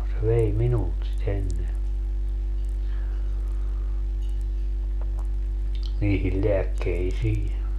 se vei minulta sitä ennen niihin lääkkeisiin